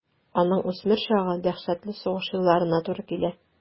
Аның үсмер чагы дәһшәтле сугыш елларына туры килә.